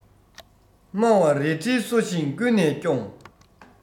དམའ བ རལ གྲིའི སོ བཞིན ཀུན ནས སྐྱོངས